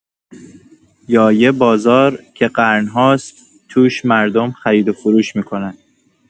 یا یه بازار که قرن‌هاست توش مردم خرید و فروش می‌کنن.